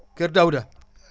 Kër Daouda